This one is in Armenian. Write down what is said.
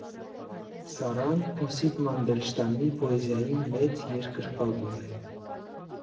Սառան Օսիպ Մանդելշտամի պոեզիայի մեծ երկրպագու է։